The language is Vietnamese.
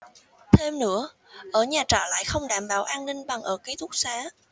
thêm nữa ở nhà trọ lại không đảm bảo an ninh bằng ở ký túc xá